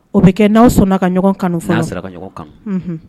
O bɛ kɛ n'aw sɔnna ka ɲɔgɔn kan sera ka ɲɔgɔn kan